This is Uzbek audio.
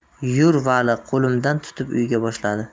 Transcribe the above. yur vali qo'limdan tutib uyiga boshladi